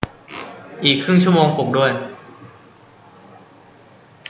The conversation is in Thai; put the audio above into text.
อีกครึ่งชั่วโมงปลุกด้วย